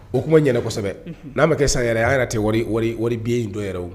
O kuma ɲsɛbɛ n'a ma kɛ san yɛrɛ y'a yɛrɛ tɛ wari bi in dɔ yɛrɛ o